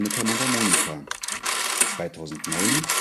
der Mundharmonika 2009